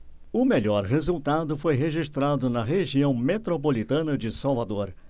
o melhor resultado foi registrado na região metropolitana de salvador